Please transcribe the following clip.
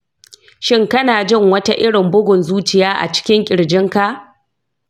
shin kana jin wata irin bugun zuciya a cikin ƙirjinka?